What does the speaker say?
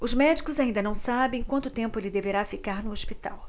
os médicos ainda não sabem quanto tempo ele deverá ficar no hospital